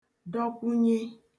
dọkwụnye